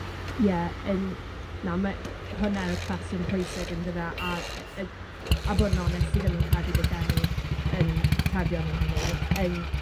Ie yym na, ma' hwnna o'dd y cwestiwn pwysig yndyfe, a yy yy a bod yn onest, dwi ddim yn credu bo' gen i'r yym atebion i hynny. Yym.